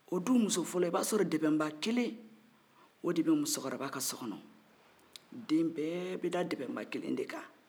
o dumuso fɔlɔ i b'a sɔrɔ dɛbɛn ba kelen o de bɛ musokɔrɔ ba ka so kɔnɔ den bɛɛ bɛ da dɛbɛ ba kelen de kan